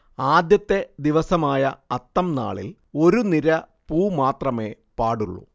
ആദ്യത്തെ ദിവസമായ അത്തംനാളിൽ ഒരു നിര പൂ മാത്രമേ പാടുള്ളൂ